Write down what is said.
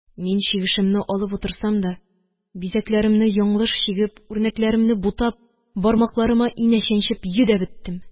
Мин, чигешемне алып утырсам да, бизәкләремне яңлыш чигеп, үрнәкләремне бутап, бармакларыма инә чәнчеп йөдәп беттем.